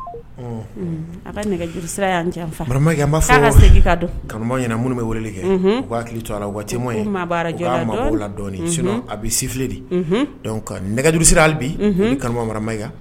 Un A ka nɛgɛjurusira y’an janfan madame Maiga a b'a fɔ k’a ka segin ka don, kanubagaw ɲɛna minnu bɛ wele kɛ, unhun, u ka hakili to a la u ka témoin u k’u mabɔ radio la dɔnni sinon a bɛ siffler de ,unhun, donc nɛgɛjuru hali bi, unhun, an kanubagaw madame Maiga